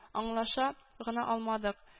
Аңлаша гына алмадык